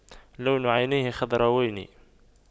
لون عينيه خضراوين